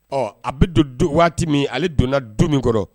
Ɔ a bɛ don don waati min ale donnana don min kɔrɔ